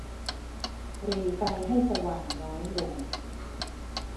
หรี่ไฟให้สว่างน้อยลง